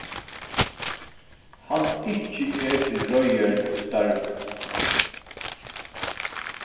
hann ikki er til reiðar til starvið